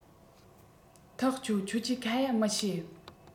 ཐག ཆོད ཁྱོད ཀྱིས ཁ ཡ མི བྱེད